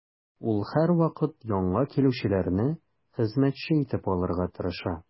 Ул һәрвакыт яңа килүчеләрне хезмәтче итеп алырга тырыша.